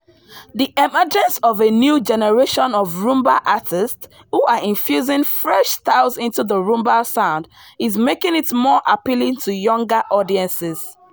The emergence of a new generation of Rhumba artists who are infusing fresh styles into the Rhumba sound is making it more appealing to younger audiences.